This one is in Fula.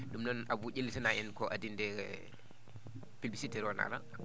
?um noon Abou ?ellitana en ko adi nde publicité o ne ara